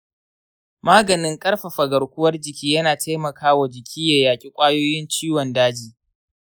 maganin karfafa garkuwar jiki yana taimaka wa jiki ya yaki kwayoyin ciwon daji.